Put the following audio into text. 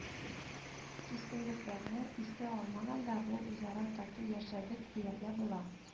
Кискенлекләрне искә алмаганда, без үзара тату яшәдек, дияргә була